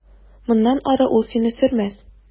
Моннан ары ул сине сөрмәс.